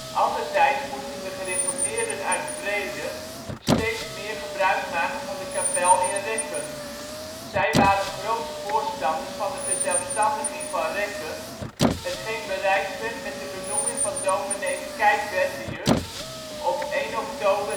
Anderzijds moesten de gereformeerden uit Vreden steeds meer gebruikmaken van de kapel in Rekken. Zij waren grote voorstanders van de verzelfstandiging van Rekken, hetgeen bereikt werd met de benoeming van dominee Keitwerdius op 1 oktober 1651 tot